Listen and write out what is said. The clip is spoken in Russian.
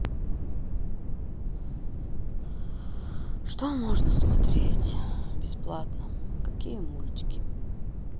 что можно смотреть бесплатно какие мультики